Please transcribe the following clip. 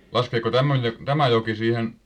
laskeeko tämä - tämä joki siihen